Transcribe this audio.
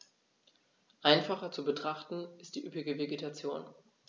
Einfacher zu betrachten ist die üppige Vegetation.